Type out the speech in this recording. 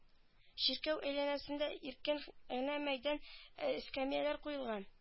Чиркәү әйләнәсендә иркен генә мәйдан эскәмияләр куелган